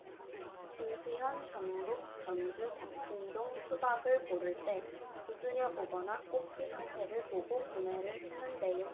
김수현 전북 전주 덕진동 수박을 고를 때 두드려보거나 꼭지 상태를 보고 구매를 했는데요